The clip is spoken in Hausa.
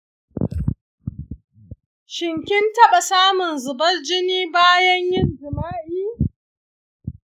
shin kin taɓa samun zubar jini bayan yin jima’i?